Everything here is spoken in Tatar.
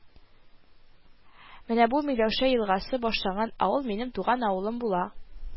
Менә бу Миләүшә елгасы башланган авыл минем туган авылым була